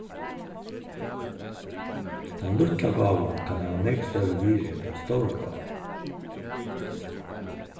tann lítla gávan kann hava nógv størri virði enn tann stóra gávan